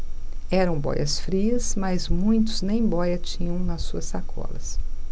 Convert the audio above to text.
eram bóias-frias mas muitos nem bóia tinham nas suas sacolas